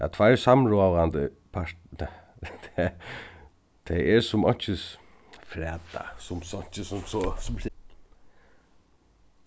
at tveir samráðandi tað er sum einkis frata